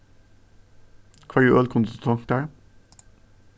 hvørja øl kundi tú tonkt tær